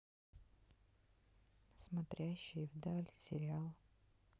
смотрящий в даль сериал